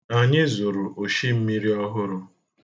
Anyi zụrụ oshimmiri ọhụrụ.